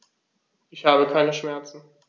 Ich habe keine Schmerzen.